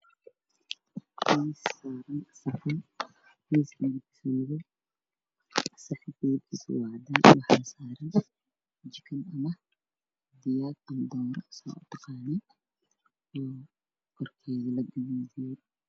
Waa hilib dooro oo ku jiro cadaan midabka hilibka waa madow jaallo guduud